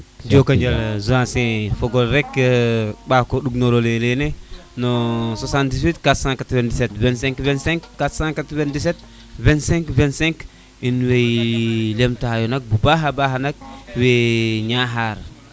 njokonjal Zancier fogole rek ɓako ɗug norole ley lene no 784972525 4972525 in way lem tayo nak bu baaxa baax nak wa Niakhar